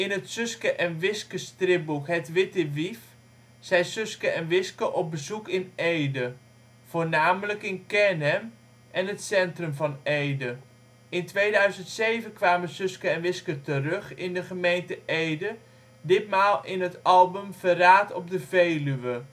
het Suske en Wiske stripboek ' Het witte wief ' zijn Suske en Wiske op bezoek in Ede, voornamelijk in Kernhem en het centrum van Ede. In 2007 kwamen Suske en Wiske terug in de gemeente Ede, ditmaal in het album Verraad op de Veluwe